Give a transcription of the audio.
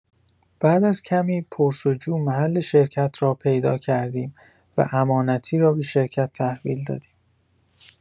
بعد از کمی پرس‌وجو محل شرکت را پیدا کردیم و امانتی را به شرکت تحویل دادیم.